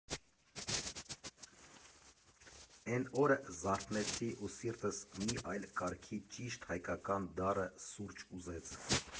Էն օրը զարթնեցի ու սիրտս մի այլ կարգի ճիշտ, հայկական, դառը սուրճ ուզեց։